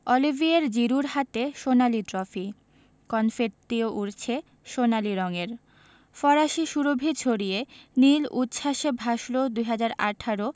Olivier জিরুর হাতে সোনালি ট্রফি কনফেত্তিও উড়ছে সোনালি রঙের ফরাসি সুরভি ছড়িয়ে নীল উচ্ছ্বাসে ভাসল ২০১৮